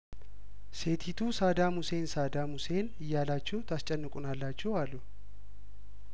ሴቲቱ ሳዳም ሁሴን ሳዳም ሁሴን እያላችሁ ታስጨንቁናላችሁ አሉ